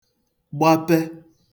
gbape